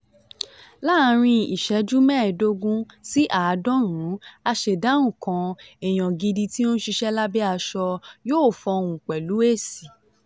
Láàárín ìṣẹ́jú 15 sí 90, "aṣèdáhùn" kan (èèyàn gidi tí ó ń ṣiṣẹ́ lábẹ́ aṣọ) yóò fọhùn pẹ̀lú èsì.